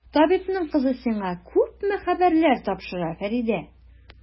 Табибның кызы сиңа күпме хәбәрләр тапшыра, Фәридә!